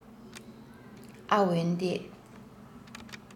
ཨ འོན ཏེ